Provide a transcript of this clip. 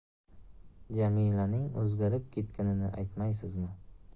jamilaning o'zgarib ketganini aytmaysizmi